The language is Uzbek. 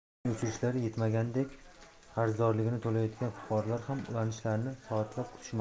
umumiy o'chirishlar yetmagandek qarzdorligini to'layotgan fuqarolar ham ulanishlarni soatlab kutishmoqda